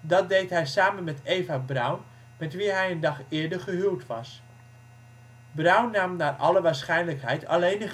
Dat deed hij samen met Eva Braun, met wie hij een dag eerder gehuwd was. Braun nam naar alle waarschijnlijkheid alleen